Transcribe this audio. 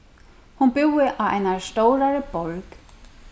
hon búði á einari stórari borg